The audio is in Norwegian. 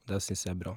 Det syns jeg er bra.